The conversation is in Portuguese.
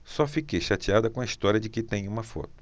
só fiquei chateada com a história de que tem uma foto